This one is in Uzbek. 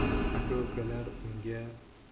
aka ukalar unga